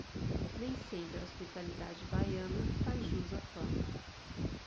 nem sempre a hospitalidade baiana faz jus à fama